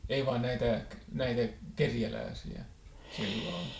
ei vaan näitä näitä kerjäläisiä silloin